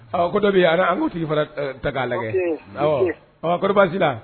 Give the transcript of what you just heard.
Ɔ ko dɔ bɛ yen an ko tigi fana ta k'a lajɛ Ok i ni ce. kɔri baasi tɛ yen